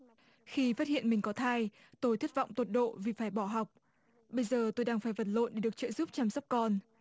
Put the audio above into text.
khi phát hiện mình có thai tôi thất vọng tột độ vì phải bỏ học bây giờ tôi đang phải vật lộn để được trợ giúp chăm sóc con